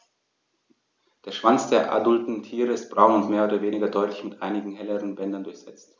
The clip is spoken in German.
Der Schwanz der adulten Tiere ist braun und mehr oder weniger deutlich mit einigen helleren Bändern durchsetzt.